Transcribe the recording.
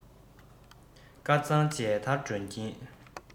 དཀར གཙང མཇལ དར སྒྲོན གྱིན